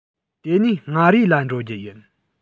དེ ནས མངའ རིས ལ འགྲོ རྒྱུ ཡིན